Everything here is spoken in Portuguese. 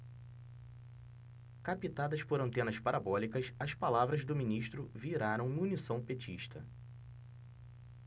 captadas por antenas parabólicas as palavras do ministro viraram munição petista